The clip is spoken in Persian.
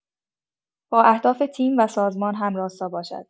با اهداف تیم و سازمان هم‌راستا باشد.